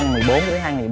mười bốn đến hai mười